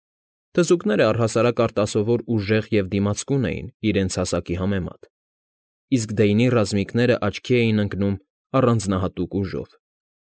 Թզուկներն առհասարակ արտասովոր ուժեղ ու դիմացկուն էին իրենց հասակի համեմատ, իսկ Դեյնի ռամիկներն աչքի էին ընկնում առանձնահատուկ ուժով։